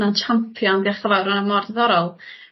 Ma'n champion dioch y' fawr ma 'wnna mor ddiddorol.